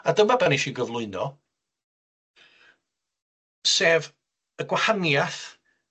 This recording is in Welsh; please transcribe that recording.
A dyma be' wnes i gyflwyno, sef y gwahaniath